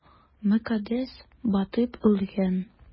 Мөкаддәс батып үлгән!